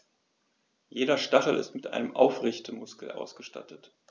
Jeder Stachel ist mit einem Aufrichtemuskel ausgestattet.